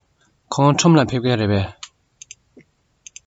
ཁོང ཁྲོམ ལ ཕེབས མཁན རེད པས